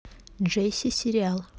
джесси сериал